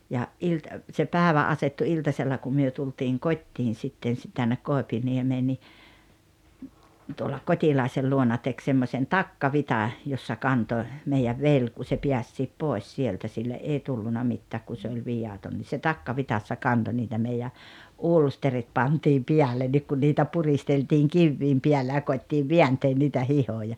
ja - se päivä asettui iltasella kun me tultiin kotiin sitten - tänne Koipiniemeen niin tuolla Kotilaisen luona teki semmoisen takkavitsan jossa kantoi meidän veli kun se pääsikin pois sieltä sille ei tullut mitään kun se oli viaton niin se takkavitsassa kantoi niitä meidän ulsterit pantiin päällekin kun niitä puristeltiin kivien päällä ja koetettiin vääntää niitä hihoja